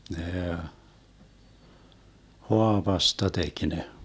ne haavasta teki ne